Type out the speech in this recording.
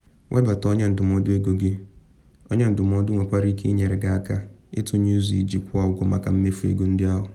Webata onye ndụmọdụ ego gị: Onye ndụmọdụ nwekwara ike ịnyere gị aka ịtụnye ụzọ iji kwụọ ụgwọ maka mmefu ego ndị ahụ.